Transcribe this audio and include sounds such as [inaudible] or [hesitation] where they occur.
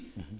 [hesitation] [hesitation]